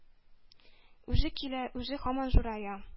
Үзе килә, үзе һаман зурая...